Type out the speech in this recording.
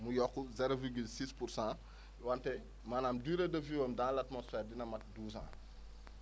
mu yokk zero virgule six pour cent wante maanaam durée de vie am dans l' atmosphère dina mat douze ans